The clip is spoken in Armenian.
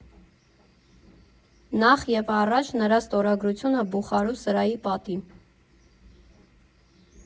Նախ և առաջ՝ նրա ստորագրությունը Բուխարու սրահի պատին։